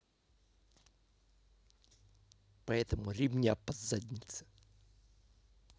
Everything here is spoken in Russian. поэтому ремня по заднице